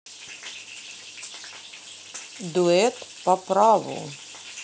дуэт по праву